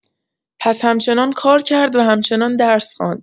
پس همچنان کار کرد و همچنان درس خواند.